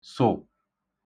sụ̀